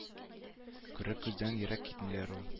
Күрер күздән ерак китмиләр ул